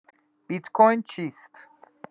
بیت‌کوین چیست؟